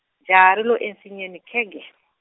jaha ri lo ensinyeni khegee.